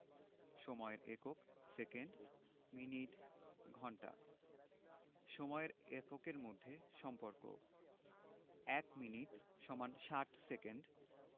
সময়ের এককঃ second minute ঘন্টা সময়ের এককের মধ্যে সম্পর্কঃ ১ মিনিট = ৬০ সেকেন্ড